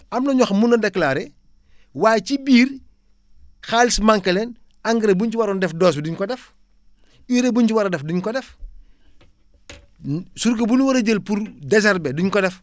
am na ñoo xam ne mun nañu déclarer waaye ci biir xaalis manqué leen engrais bu ñu ci waroon def dose bi duñ ko def urée bu ñu ci war a def du ñu ko def surga bu ñu war a jël pour desherber du ñu ko def